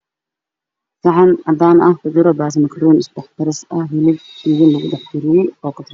Saxan cadaan ah ku jiro baasta makanoni isku dhex karis ah le suuga lagu dhex kariyay o kabsar